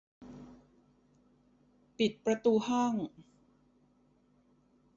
ปิดประตูห้อง